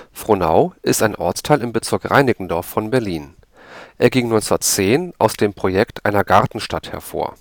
Frohnau ist ein Ortsteil im Bezirk Reinickendorf von Berlin. Er ging 1910 aus dem Projekt einer Gartenstadt hervor